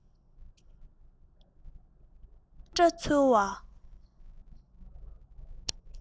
འབུ ཅི འདྲ འཚོལ བ